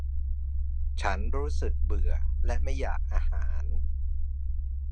ฉันรู้สึกเบื่อและไม่อยากอาหาร